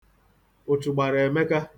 Ụchụ gbara Emeka.